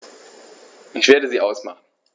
Ich werde sie ausmachen.